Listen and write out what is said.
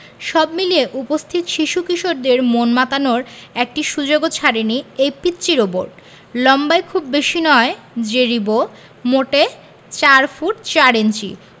সব মিলিয়ে উপস্থিত শিশু কিশোরদের মন মাতানোর একটি সুযোগও ছাড়েনি এই পিচ্চি রোবট লম্বায় খুব বেশি নয় যে রিবো মোটে ৪ ফুট ৪ ইঞ্চি